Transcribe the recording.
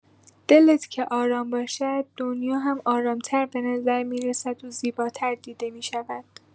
دلت که آرام باشد دنیا هم آرام‌تر به نظر می‌رسد و زیباتر دیده می‌شود.